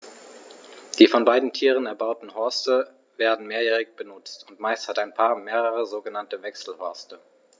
Die von beiden Tieren erbauten Horste werden mehrjährig benutzt, und meist hat ein Paar mehrere sogenannte Wechselhorste.